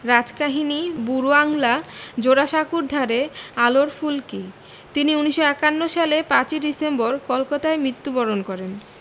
রাজকাহিনী বুড়ো আংলা জোড়াসাঁকোর ধারে আলোর ফুলকি তিনি ১৯৫১ সালে ৫ই ডিসেম্বর কলকাতায় মৃত্যুবরণ করেন